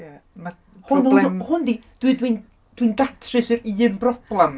Ie, ma'... Hwn... problem... hwn 'di, dwi'n, dwi'n, dwi'n datrys yr un broblem...